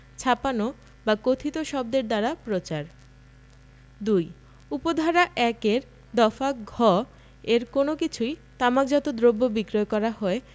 ছাপানো বা কথিত শব্দের দ্বারা প্রচার ২ উপ ধারা ১ এর দফা ঘ এর কোন কিছুই তামাকজাত দ্রব্য বিক্রয় করা হয়